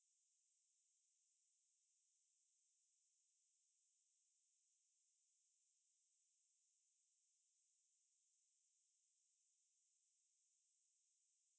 বৈঠকের ব্যাপারে মার্কিন প্রেসিডেন্ট ডোনাল্ড ট্রাম্পের সিদ্ধান্তকে স্বাগত জানিয়েছেন রুশ প্রেসিডেন্ট ভ্লাদিমির পুতিন তিনি একে সাহসী ও পরিপক্ব সিদ্ধান্ত বলে উল্লেখ করেছেন